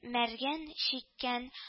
Мәргән читкән